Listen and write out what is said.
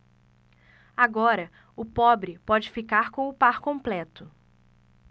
agora o pobre pode ficar com o par completo